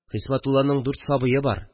Хисмәтулланың дүрт сабые бар